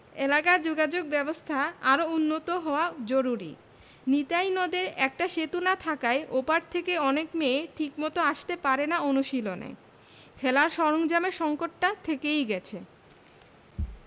এলাকার যোগাযোগব্যবস্থা আরও উন্নত হওয়া জরুরি নিতাই নদে একটা সেতু না থাকায় ও পার থেকে অনেক মেয়ে ঠিকমতো আসতে পারে না অনুশীলনে খেলার সরঞ্জামের সংকটটা থেকেই গেছে